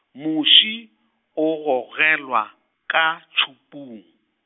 muši, o gogelwa, ka tšhupung.